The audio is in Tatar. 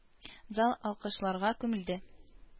Зал алкышларга күмелде.